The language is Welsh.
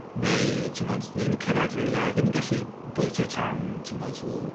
neu t'mod ni ddim yn cyrradd rywle ddim yn gallu bwyta tan t'mod ww,